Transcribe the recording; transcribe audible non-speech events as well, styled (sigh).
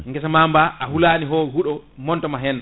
guessa ma ba a huulani (hesitation) huuɗo montamo hen